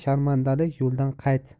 sharmandalik yo'ldan qayt